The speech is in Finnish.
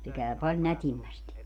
se käy paljon nätimmästi